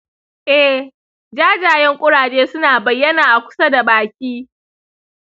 eh, jajayen kuraje suna bayyana a kusa da baki.